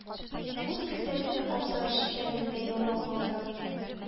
Ут көлтәсе абзар читәнен дә ялмап алды.